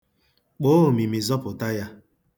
Kpọọ omimi zọpụta ya.